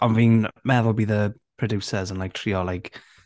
Ond fi'n meddwl bydd y producers yn like trio like...